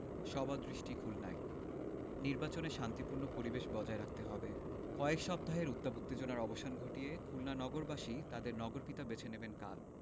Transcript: সবার দৃষ্টি খুলনায় নির্বাচনে শান্তিপূর্ণ পরিবেশ বজায় রাখতে হবে কয়েক সপ্তাহের উত্তাপ উত্তেজনার অবসান ঘটিয়ে খুলনা নগরবাসী তাঁদের নগরপিতা বেছে নেবেন কাল